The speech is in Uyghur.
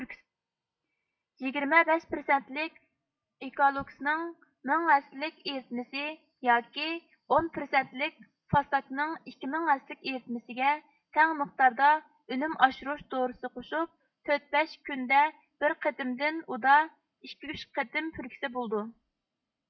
يىگىرمە بەش پىرسەنتلىك ئېكالۇكسنىڭ مىڭ ھەسسىلىك ئېرىتمىسى ياكى ئون پىرسەنتلىك فاستاكنىڭ ئىككى مىڭ ھەسسىلىك ئېرىتمىسىگە تەڭ مىقداردا ئۈنۈم ئاشۇرۇش دورىسى قوشۇپ تۆت بەش كۈندە بىر قېتىمدىن ئۇدا ئىككى ئۈچ قېتىم پۈركۈسە بولىدۇ